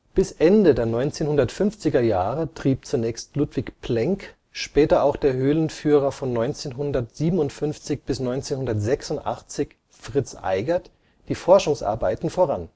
Bis Ende der 1950er Jahre trieb zunächst Ludwig Plenk, später auch der Höhlenführer von 1957 bis 1986 Fritz Eigert die Forschungsarbeiten voran